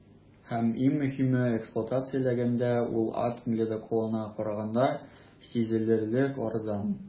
Һәм, иң мөһиме, эксплуатацияләгәндә ул атом ледоколына караганда сизелерлек арзан.